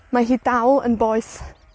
mae hi dal yn boeth.